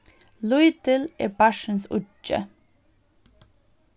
lítil er barnsins uggi